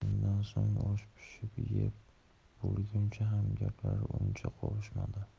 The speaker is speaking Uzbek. shundan so'ng osh pishib yeb bo'lgunlaricha ham gaplari uncha qovushmadi